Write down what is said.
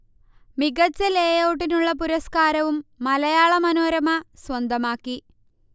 മികച്ച ലേ ഔട്ടിനുള്ള പുരസ്കാരവും മലയാള മനോരമ സ്വന്തമാക്കി